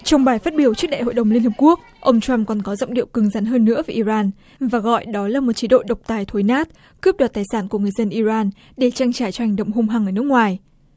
trong bài phát biểu trước đại hội đồng liên hiệp quốc ông trăm còn có giọng điệu cứng rắn hơn nữa với i ran và gọi đó là một chế độ độc tài thối nát cướp đoạt tài sản của người dân i ran để trang trải cho hành động hung hăng người nước ngoài